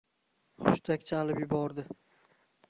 hushtak chalib yubordi